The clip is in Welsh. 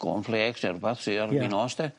corn flakes ne' rwbath sy ar mynd... Ia. ...i nos 'de?